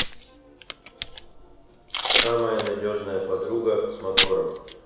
самая надежная подруга с мотором